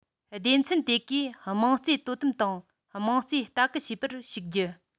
སྡེ ཚན དེ གའི དམངས གཙོས དོ དམ དང དམངས གཙོས ལྟ སྐུལ བྱེད པར ཞུགས རྒྱུ